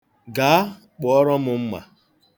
Gaa, kpụọrọ m mma.